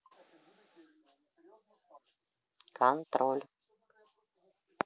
контроль